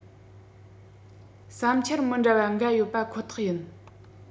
བསམ འཆར མི འདྲ བ འགའ ཡོད པ ཁོ ཐག ཡིན